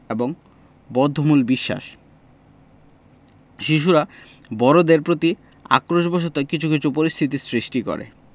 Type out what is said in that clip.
এবং বদ্ধমূল বিশ্বাস শিশুরা বড়দের প্রতি আক্রোশ বসত কিছু কিছু পরিস্থিতির সৃষ্টি করে